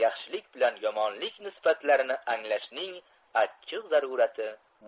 yaxshilik bilan yomonlik nisbatlarini anglashning achchiq zarurati ana shunday